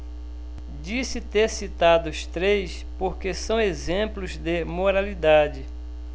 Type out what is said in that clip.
disse ter citado os três porque são exemplos de moralidade